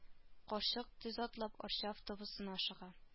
Карчык төз атлап арча автобусына ашыга